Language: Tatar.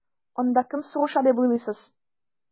Анда кем сугыша дип уйлыйсыз?